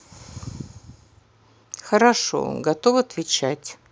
хорошо готов отвечать